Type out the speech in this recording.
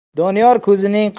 doniyor ko'zining qiri